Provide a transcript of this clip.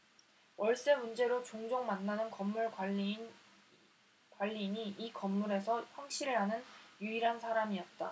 월세 문제로 종종 만나는 건물 관리인이 이 건물에서 황씨를 아는 유일한 사람이었다